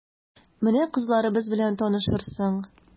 Менә кызларыбыз белән танышырсың...